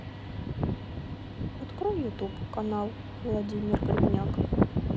открой ютуб канал владимир грибняк